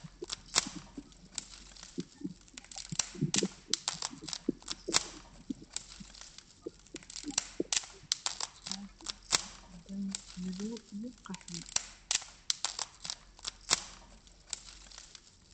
Meeshaani waa meel hool waxaa yaalo kuraasman waa cadaan kalarka darbiga cadaan madow qaxwi